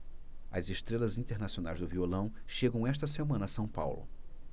as estrelas internacionais do violão chegam esta semana a são paulo